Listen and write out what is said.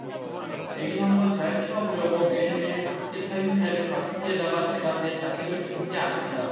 애기 한번 잘 키워보려고 매일매일 가습기 살균제를 가습기에다가 제가 제 자식을 죽인 게 아닙니다